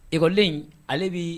Ikɔlen ale bɛ